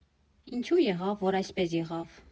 Ինչո՞ւ եղավ, որ այսպես եղավ։